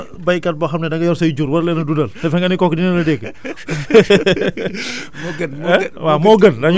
te ku am béykat boo xam ne da nga yor say jur war leen a dundal defe nga ne kooku dina la dégg